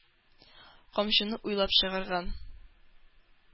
Камчыны уйлап чыгарган.